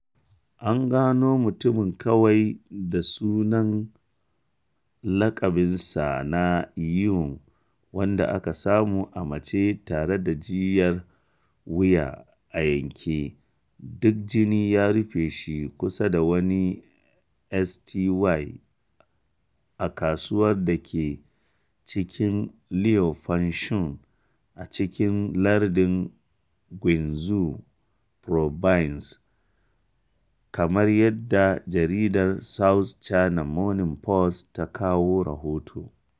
An gano mutumin kawai da sunan laƙabinsa na "Yuan," wanda aka samu a mace tare da jijiyar wuya a yanke, duk jini ya rufe shi kusa da wani sty a kasuwar da ke cikin Liupanshui a cikin lardin Guizhou province, kamar yadda jaridar South China Morning Post ta kawo rahoto.